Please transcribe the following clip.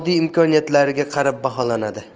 moddiy imkoniyatlariga qarab baholanadi